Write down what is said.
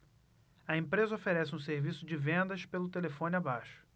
a empresa oferece um serviço de vendas pelo telefone abaixo